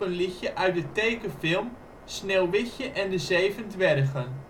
liedje uit de tekenfilm Sneeuwwitje en de zeven dwergen